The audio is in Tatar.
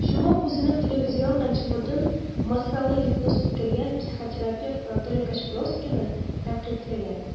Чумак үзенең телевизион антиподын - массалы гипноз үткәргән психотерапевт Анатолий Кашпировскийны тәнкыйтьләгән.